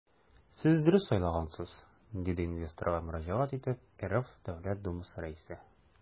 Сез дөрес сайлагансыз, - диде инвесторга мөрәҗәгать итеп РФ Дәүләт Думасы Рәисе.